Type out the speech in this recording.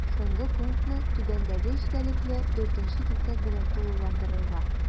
Соңгы пунктны түбәндәге эчтәлекле 4 нче кисәк белән тулыландырырга.